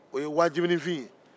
o ye wajibinin fin ye